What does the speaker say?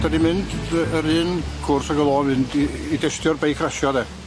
'Da ni'n mynd yy yr un cwrs ag o'dd o'n mynd i i destio'r beic rasio de.